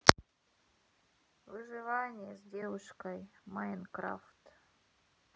выживание с девушкой майнкрафт